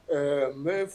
Ɛɛ n